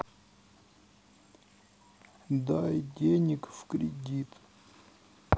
дай денег в кредит